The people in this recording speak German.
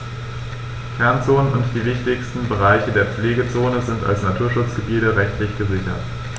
Kernzonen und die wichtigsten Bereiche der Pflegezone sind als Naturschutzgebiete rechtlich gesichert.